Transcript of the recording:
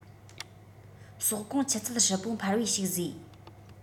ཟོག གོང ཆུ ཚད ཧྲིལ པོ འཕར བའི ཞིག བཟོས